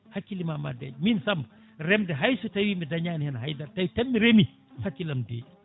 hakkille ma deej min Samba remde hay so tawi mi dañani hen haydara mbayde tan mi reemi hakkillam deeƴi